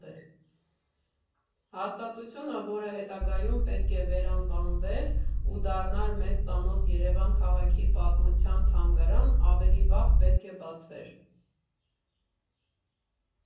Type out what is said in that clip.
Հաստատությունը, որը հետագայում պետք է վերանվանվեր ու դառնար մեզ ծանոթ՝ Երևան քաղաքի պատմության թանգարան, ավելի վաղ պետք է բացվեր։